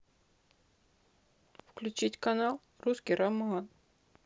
включить канал русский роман